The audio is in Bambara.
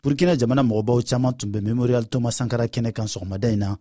burukina jamana mɔgɔbaw caman tun bɛ memorial thomas sankara kɛnɛ kan sɔgɔmada in na